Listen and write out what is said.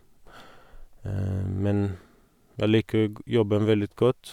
Men jeg liker g jobben veldig godt.